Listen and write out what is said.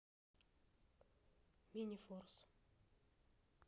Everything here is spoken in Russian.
мини форс